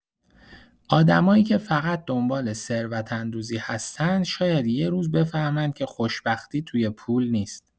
آدمایی که فقط دنبال ثروت‌اندوزی هستن، شاید یه روز بفهمن که خوشبختی توی پول نیست.